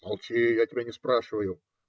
- Молчи; я тебя не спрашиваю.